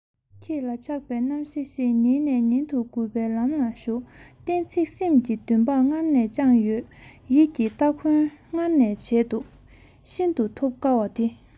ཁྱེད ལ ཆགས པའི རྣམ ཤེས ཤིག ཉིན ནས ཉིན དུ རྒུད པའི ལམ ལ ཞུགས གཏན ཚིགས སེམས ཀྱི འདུན པ སྔར ནས བཅངས ཡོད ཡིད ཀྱི སྟ གོན སྔར ནས བྱས འདུག ཤིན ཏུ ཐོབ དཀའ བ དེ